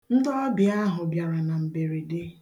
Ndị ọbịa ahụ bịara na mberede.